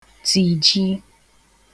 tìji